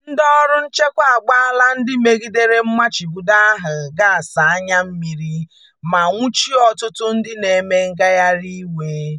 Ndị ọrụ nchekwa agbaala ndị megidere mmachibido ahụ gaasị anya mmiri, ma nwụchie ọtụtụ ndị na-eme ngagharị iwe.